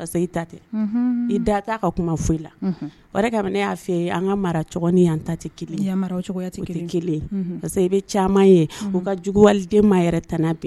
i ta tɛ, unhun, i da t'a ka kuma foyi la, unhun, o de kama ne y'a fɔ e ye an ka maracogo ni y'an ta tɛ kelen ye, y'n maraw cogoya tɛ kelen ye, o tɛ kelen ye, parce que i bɛ caman ye u ka jugu waliden ma yɛrɛ tana bɛ